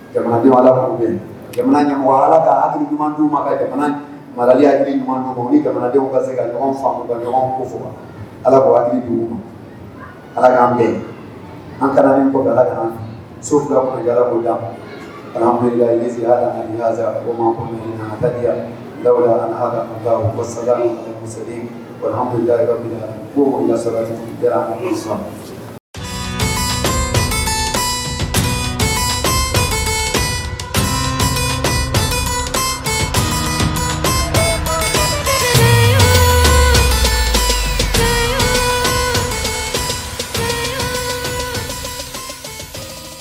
Jamana ala bɛ jamana ala kaki ɲuman ma ka jamana ɲɔgɔn jamanadenw ka se ka ɲɔgɔn ka aladu ma ala k'an bɛ an ka ka so ko ha saga segin kɛra